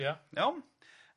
Ia. Iawn?